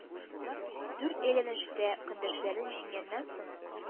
Дүрт әйләнештә көндәшләрен җиңгәннән соң,